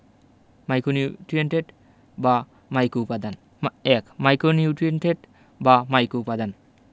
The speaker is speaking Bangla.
মাইকোনিউটিয়েন্টএট বা মাইকোউপাদান ১ মাইকোনিউটিয়েন্টএট বা মাইকোউপাদান